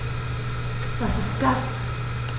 Was ist das?